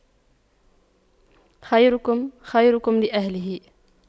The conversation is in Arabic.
خيركم خيركم لأهله